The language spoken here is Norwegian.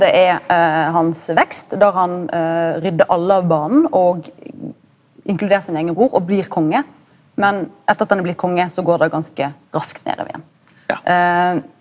det er hans vekst der han ryddar alle av banen og inkludert sin eigen bror og blir konge, men etter at han er blitt konge så går det ganske raskt nedover igjen .